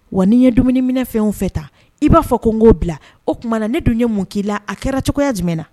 Wa nin ye dumunimina fɛnw fɛ ta i b'a fɔ ko n k'o bila o tumaumana na ne dun ye mun k'i la a kɛra cogoya jumɛn na